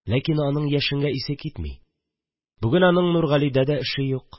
Ләкин аның яшенгә исе китми, бүген аның Нургалидә дә эше юк